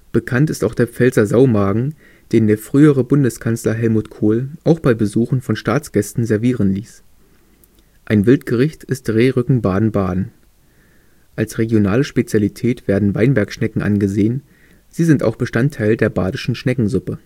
Bekannt ist auch der Pfälzer Saumagen, den der frühere Bundeskanzler Helmut Kohl auch bei Besuchen von Staatsgästen servieren ließ. Ein Wildgericht ist Rehrücken Baden-Baden. Als regionale Spezialität werden Weinbergschnecken angesehen; sie sind auch Bestandteil der Badischen Schneckensuppe